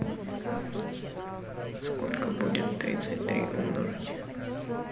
сколько будет тридцать три умножить